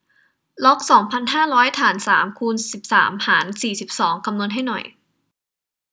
ล็อกสองพันห้าร้อยฐานสามคูณสิบสามหารสี่สิบสองคำนวณให้หน่อย